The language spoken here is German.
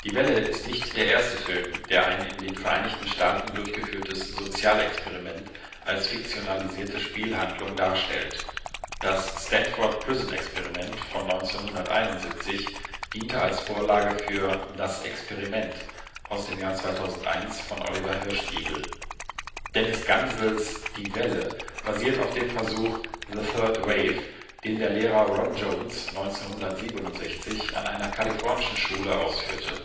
Welle ist nicht der erste Film, der ein in den Vereinigten Staaten durchgeführtes Sozialexperiment als fiktionalisierte Spielhandlung darstellt. Das Stanford-Prison-Experiment von 1971 diente als Vorlage für Das Experiment (2001) von Oliver Hirschbiegel. Dennis Gansels Die Welle basiert auf dem Versuch The Third Wave, den der Lehrer Ron Jones 1967 an einer kalifornischen Schule ausführte